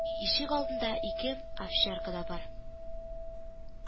Ишегалдында ике овчарка да бар